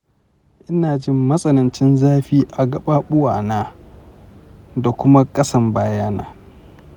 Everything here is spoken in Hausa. ina jin matsanancin zafi a gaɓaɓuwa na da kuma ƙasan bayana.